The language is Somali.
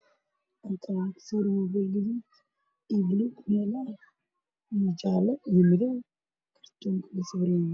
Inta waxaa ku sawiran moobeel gaduud iyo baluug meel ah iyo jaalle iyo madow kartoonka ku sawiran yihiin.